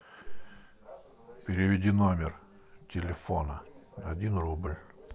переведи на номер телефона один рубль